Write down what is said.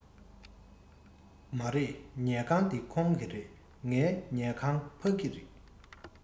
མ རེད ཉལ ཁང འདི ཁོང གི རེད ངའི ཉལ ཁང ཕ གི རེད